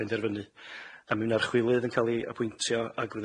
penderfynu a mi fydd'na archwilydd yn ca'l 'i apwyntio ag